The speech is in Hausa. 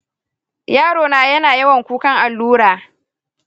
yarona na yawan kukan allura.